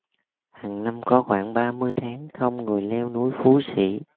hằng năm có khoảng ba mươi tháng không người leo núi phú sĩ